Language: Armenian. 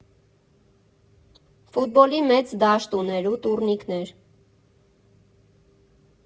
Ֆուտբոլի մեծ դաշտ ուներ ու «տուռնիկներ»։